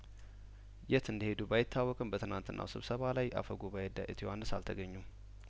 የት እንደሄዱ ባይታወቅም በትናንትናው ስብሰባ ላይ አፈ ጉባኤ ዳዊት ዮሀንስ አልተገኙም